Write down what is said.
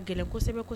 Kosɛbɛ